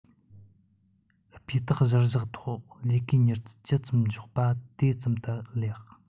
སྤུས དག གཞིར བཞག ཐོག ལས ཀའི མྱུར ཚད ཇི ཙམ མགྱོགས པ དེ ཙམ དུ ལེགས